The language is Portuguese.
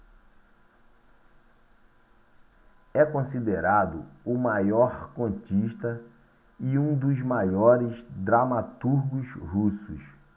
é considerado o maior contista e um dos maiores dramaturgos russos